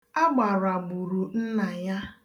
Agbara gburu nna ya